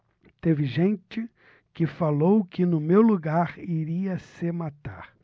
teve gente que falou que no meu lugar iria se matar